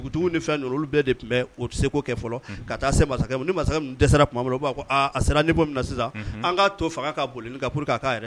Dugutigi ni fɛn bɛɛ de tun bɛ o segu kɛ fɔlɔ ka taa se dɛsɛra tuma bolo'a a sera ni min na sisan an k'a to fanga ka boli walasaur k''a yɛrɛ